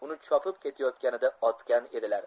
o'ni chopib ketayotganida otgan edilar